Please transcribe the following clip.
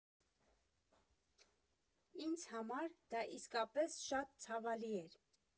Ինձ համար դա իսկապես շատ ցավալի էր։